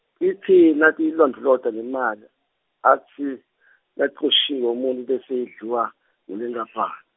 titsi natiyilondvolota lemali, atsi nacoshiwe umuntfu bese idliwa, ngulenkapa-.